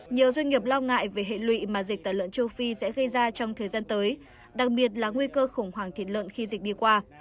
nhiều doanh nghiệp lo ngại về hệ lụy mà dịch tả lợn châu phi sẽ gây ra trong thời gian tới đặc biệt là nguy cơ khủng hoảng thịt lợn khi dịch đi qua